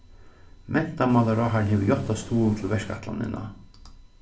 mentamálaráðharrin hevur játtað stuðul til verkætlanina